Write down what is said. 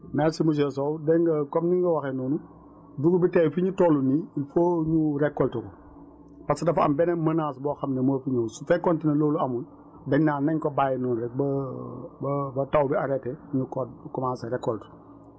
merci monsieur Sow dégg nga comme ni nga ko waxee noonu dugub bi kay fi ñu toll nii il faut ñu récolter ko parce que dafa am benn beneen menace boo xam ne moo fi ñëw su fekkonte ne loolu amul dañ naan nañ ko bàyyi noonu rekk ba ba ba taw bi arrêté ñu commencé récolte